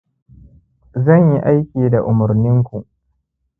zan yi aiki da umurnin ku